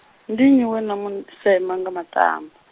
ndi nnyi we na mun-, sema nga maṱamba?